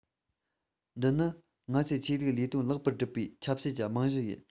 འདི ནི ང ཚོས ཆོས ལུགས ལས དོན ལེགས པར སྒྲུབ པའི ཆབ སྲིད ཀྱི རྨང གཞི ཡིན